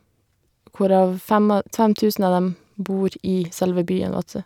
Hvorav fem av fem tusen av dem bor i selve byen Vadsø.